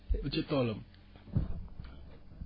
ci toolam